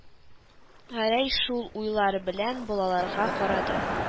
Гәрәй шул уйлар белән балаларга карады